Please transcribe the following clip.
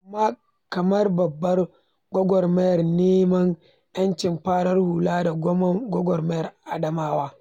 Amma, kamar babbar gwagwarmayar neman 'yanci farar hula da gwagwarmayar adawa da mulkin wariyar launin fata da suka zo kafinmu, za mu ci nasara, saboda muna da ƙarfi sosai a tare.